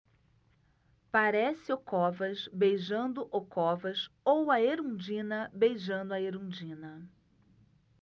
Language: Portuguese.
parece o covas beijando o covas ou a erundina beijando a erundina